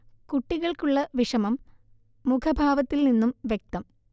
കുട്ടികൾക്ക് ഉള്ള വിഷമം മുഖഭാവത്തിൽ നിന്നും വ്യക്തം